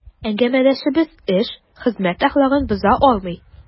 Әңгәмәдәшебез эш, хезмәт әхлагын боза алмый.